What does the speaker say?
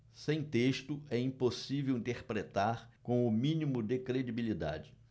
sem texto é impossível interpretar com o mínimo de credibilidade